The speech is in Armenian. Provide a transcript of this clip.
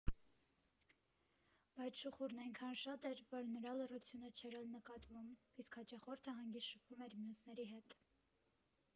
Բայց շուխուրն այնքան շատ էր, որ նրա լռությունը չէր էլ նկատվում, իսկ հաճախորդը հանգիստ շփվում էր մյուսների հետ։